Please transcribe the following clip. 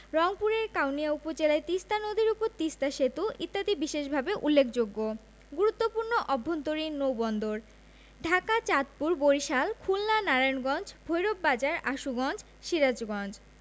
রংপুরের কাউনিয়া উপজেলায় তিস্তা নদীর উপর তিস্তা সেতু ইত্যাদি বিশেষভাবে উল্লেখযোগ্য গুরুত্বপূর্ণ অভ্যন্তরীণ নৌবন্দরঃ ঢাকা চাঁদপুর বরিশাল খুলনা নারায়ণগঞ্জ ভৈরব বাজার আশুগঞ্জ সিরাজগঞ্জ